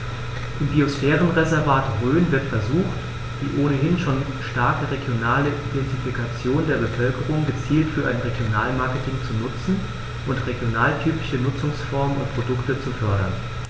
Im Biosphärenreservat Rhön wird versucht, die ohnehin schon starke regionale Identifikation der Bevölkerung gezielt für ein Regionalmarketing zu nutzen und regionaltypische Nutzungsformen und Produkte zu fördern.